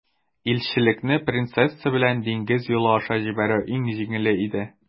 Илчелекне принцесса белән диңгез юлы аша җибәрү иң җиңеле иде.